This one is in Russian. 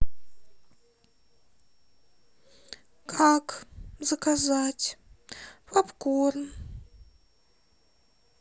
как заказать попкорн